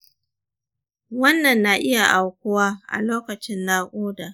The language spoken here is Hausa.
wannan na iya aukuwa a lokacin naƙuda